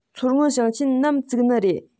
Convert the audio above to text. མཚོ སྔོན ཞིང ཆེན ནམ བཙུགས ནི རེད